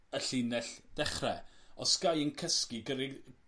y llinell dechre o' Sky yn cysgu gyrei-